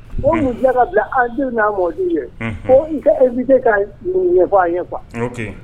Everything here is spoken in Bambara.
O' yala ka bila an denw n'a mɔdi ye e bɛ se ka ɲɛ ɲɛfɔ an ɲɛ